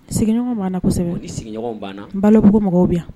Sigiɲɔgɔn mana nasɛbɛ sigiɲɔgɔnw banna n b'a mɔgɔw bɛ yan